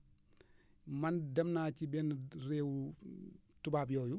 man dem naa ci benn réwu tubaab yooyu